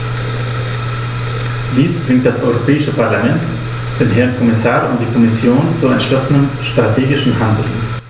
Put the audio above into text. Dies zwingt das Europäische Parlament, den Herrn Kommissar und die Kommission zu entschlossenem strategischen Handeln.